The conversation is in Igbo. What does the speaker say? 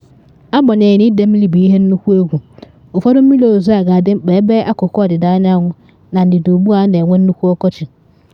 Agbanyeghị na ide mmiri bụ ihe nnukwu egwu, ụfọdụ mmiri ozizo a ga-adị mkpa ebe akụkụ ọdịda anyanwụ na ndịda ugbu a na enwe nnukwu ọkọchị.